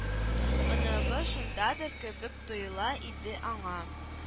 Оныгы шундадыр кебек тоела иде аңа